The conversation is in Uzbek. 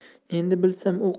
endi bilsam u